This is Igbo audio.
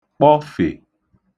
kpọfè